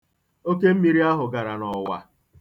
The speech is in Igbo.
Oke mmiri ahụ gara n'ọwa.